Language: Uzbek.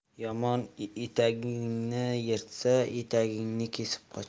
yomon etagingni yirtsa etagingni kesib qoch